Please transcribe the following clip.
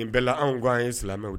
Nin bɛ anw gan an ye silamɛmɛw